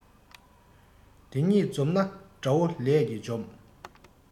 དེ གཉིས འཛོམས ན དགྲ བོ ལས ཀྱིས འཇོམས